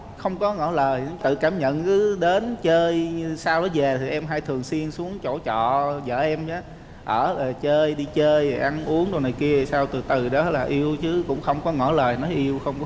không có ngỏ lời tự cảm nhận cứ đến chơi nhưng sau đó dề thì em hay thường xuyên xuống chỗ trọ dợ em chớ ở rồi chơi đi chơi ăn uống rồi này kia sao từ từ đó là yêu chứ cũng không có ngỏ lời nói yêu không